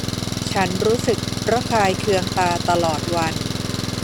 ฉันรู้สึกระคายเคืองตาตลอดวัน